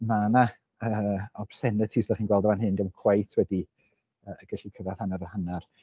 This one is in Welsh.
ma' 'na yy obscenities dach chi'n gweld yn fan hyn 'di o'm cweit wedi yy gallu cyrraedd hanner a hanner.